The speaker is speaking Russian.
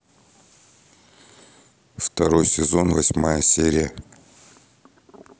второй сезон восьмая серия